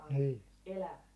ankerias elävänä